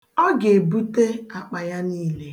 Ọ ga-ebute akpa ya niile